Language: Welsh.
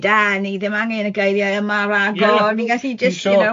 Ah, ni ddim angen y geiriau yma ragor, ni gallu jyst, you know,